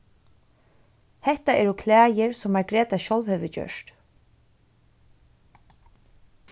hetta eru klæðir sum margreta sjálv hevur gjørt